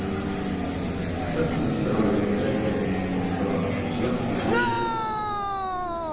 løgtingsstjórin greiddi okkum frá hvussu løgtingið virkar